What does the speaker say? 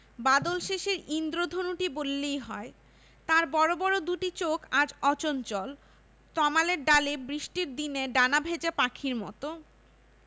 বাদলশেষের ঈন্দ্রধনুটি বললেই হয় তার বড় বড় দুটি চোখ আজ অচঞ্চল তমালের ডালে বৃষ্টির দিনে ডানা ভেজা পাখির মত